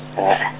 hee.